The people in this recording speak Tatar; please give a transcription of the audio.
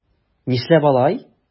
Нишләп алай?